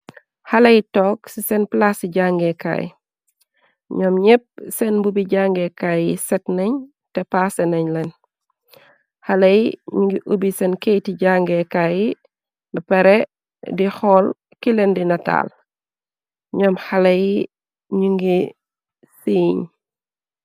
Xale yu toog ci seen plaasi jangeekaay, ñoom ñépp seen mbubi jangeekaay yi set nañ te paase nañ leen, xalé yi ñu ngi ubi seen keyti jangeekaayyi bapere di xool kilen di nataal, ñoom xalé yi ñu ngi siiñ.